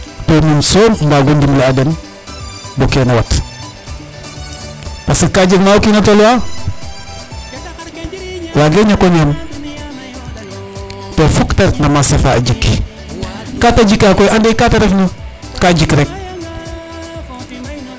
to nuun som mbagu ndimle a den bo kene wat parce que ka jeg ma kina tolwa wage ñako ñam to fok te ret no marcher fa a jik kate jika koy ande kate ref na ka jik rek